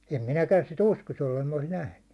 en minäkään sitä uskoisi jos en minä olisi nähnyt